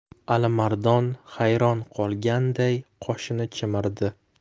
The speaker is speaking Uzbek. alimardon hayron qolganday qoshini chimirdi